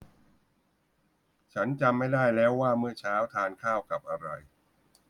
ฉันจำไม่ได้แล้วว่าเมื่อเช้าทานข้าวกับอะไร